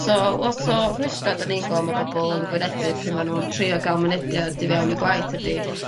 so lot o rhwystra' 'dan ni'n gwel' ma' bobol yn gwynebu pry' ma' nw'n trio ga'l mynediad i fewn i gwaith ydi